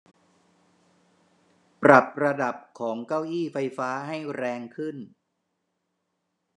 ปรับระดับของเก้าอี้ไฟฟ้าให้แรงขึ้น